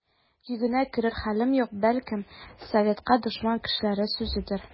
Йөгенә керер хәлем юк, бәлкем, советка дошман кешеләр сүзедер.